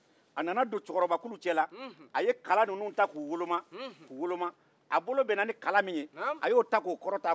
a nana don kalaw cɛla k'u wolo a bolo bɛnna ni kala min ye a y'o kɔrɔta